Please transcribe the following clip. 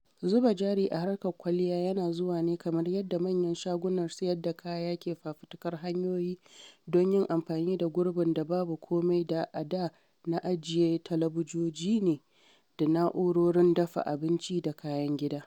Zuba jari a harkar kwalliya yana zuwa ne kamar yadda manyan shagunan sayar da kaya ke fafutukar hanyoyi don yin amfani da gurbin da babu kome da a da na ajiye talabijoji ne, da na’urorin dafa abinci da kayan gida.